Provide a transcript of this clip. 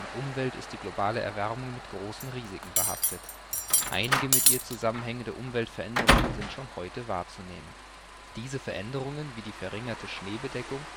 Umwelt ist die globale Erwärmung mit großen Risiken behaftet. Einige mit ihr zusammenhängende Umweltveränderungen sind schon heute wahrzunehmen. Diese Veränderungen wie die verringerte Schneebedeckung